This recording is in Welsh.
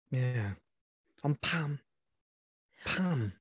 Ie, ond pam? Pam?